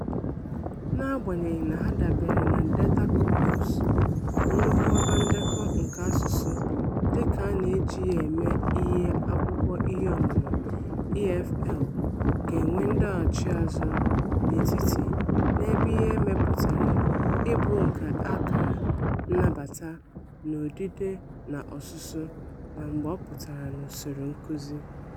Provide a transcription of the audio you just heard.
N'agbanyeghị na ha dabere na "data corpus" - nnukwu ọba ndekọ nke asụsụ dịka a na-eji ya eme ihe - akwụkwọ iheọmụmụ EFL ga-enwe ndọghachiazụ n'etiti n'ebe ihe e mepụtara ịbụ nke a kara nabata n'odide na ọsụsụ na mgbe ọ pụtara n'usoro nkuzi.